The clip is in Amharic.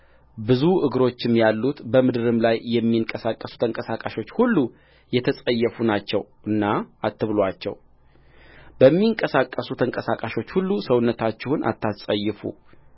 ብዙ እግሮችም ያሉት በምድርም ላይ የሚንቀሳቀሱ ተንቀሳቃሾች ሁሉ የተጸየፉ ናቸውና አትብሉአቸውበሚንቀሳቀሱ ተንቀሳቃሾች ሁሉ ሰውነታችሁን አታስጸይፉ